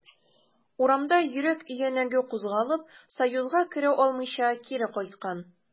Урамда йөрәк өянәге кузгалып, союзга керә алмыйча, кире кайткан.